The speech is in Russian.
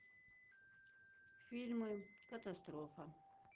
фильмы катастрофа